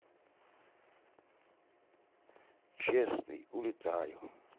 честный улетаю